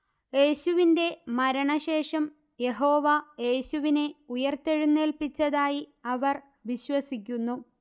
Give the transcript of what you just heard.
യേശുവിന്റെ മരണശേഷം യഹോവ യേശുവിനെ ഉയർത്തെഴുന്നേൽപ്പിച്ചതായി അവർ വിശ്വസിക്കുന്നു